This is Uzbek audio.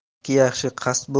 ikki yaxshi qasd